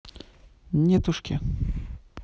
нетушки